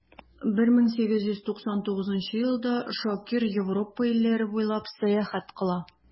1899 елда шакир европа илләре буйлап сәяхәт кыла.